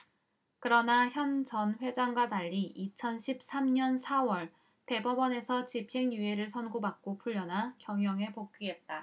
그러나 현 전 회장과 달리 이천 십 삼 년 사 월 대법원에서 집행유예를 선고 받고 풀려나 경영에 복귀했다